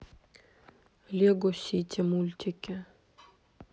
лего сити мультики